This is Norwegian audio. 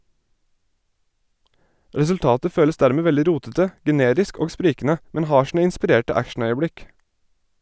Resultatet føles dermed veldig rotete, generisk og sprikende, men har sine inspirerte actionøyeblikk.